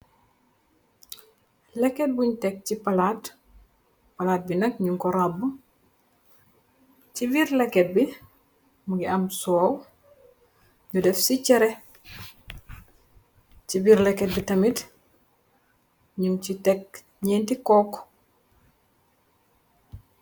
Lekket buñ Tek si palaat, palaat bi nak ñung ko raabu. Ci birr lekket bi, ñun si def soow, ñu def si chere. Ci biir lekket bi tamit, ñun ci Tek ñyeen ti koog.